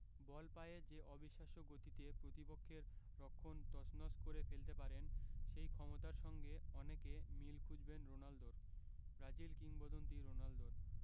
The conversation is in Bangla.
বল পায়ে যে অবিশ্বাস্য গতিতে প্রতিপক্ষের রক্ষণ তছনছ করে ফেলতে পারেন সেই ক্ষমতার সঙ্গে অনেকে মিল খুঁজবেন রোনালদোর ব্রাজিল কিংবদন্তি রোনালদোর